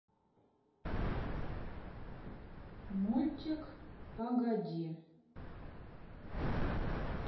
мультик погоди